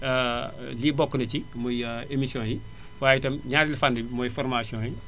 lii bokk na ci muy émission yi waaye itam ñaareelu fànn bi mooy formation yi